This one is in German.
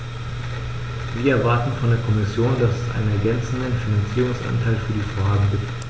Wir erwarten von der Kommission, dass es einen ergänzenden Finanzierungsanteil für die Vorhaben gibt.